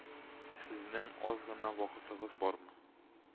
Сезнең аз гына вакытыгыз бармы